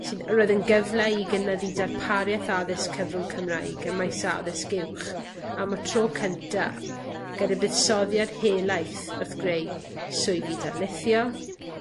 sy'n... Roedd yn gyfle i gynyddu darparieth addysg cyfrwng Cymraeg ym maes addysg uwch am y tro cynta gyda buddsoddiad helaeth wrth greu swyddi darlithio,